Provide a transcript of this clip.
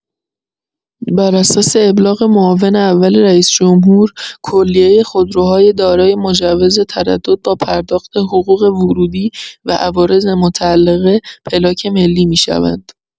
بر اساس ابلاغ معاون اول رئیس‌جمهور، کلیه خودروهای دارای مجوز تردد با پرداخت حقوق ورودی و عوارض متعلقه، پلاک ملی می‌شوند.